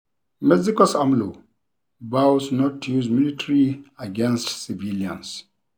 Mexico's AMLO vows not to use military against civilians